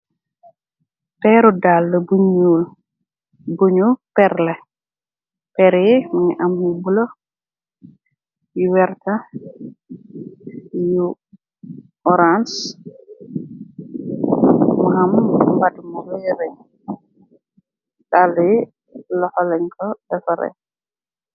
Peeru dàll bu ñuul, bu nu perr leh. perr yi mungi am lu bulo, yu vert, yu oranc mu ham mbatumu leere. Dàll yi loho laleñ ko defa ree.